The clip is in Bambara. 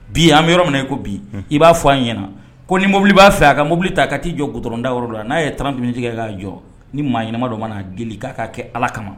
Bi an bɛ yɔrɔ min na i ko bi i b'a fɔ a ɲɛna ko ni mobili b'a fɛ a ka mobili ta a ka t'i jɔ goudron da yɔrɔ dɔ la, n'a ye 30 minutes kɛ k'a jɔ ni maa ɲɛnama dɔ ma na k'a k'a kɛ allah kama